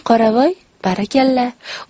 qoravoy barakalla